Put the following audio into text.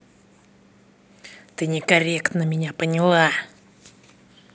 ты некорректно меня поняла